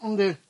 Yndi.